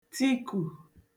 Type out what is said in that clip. tikù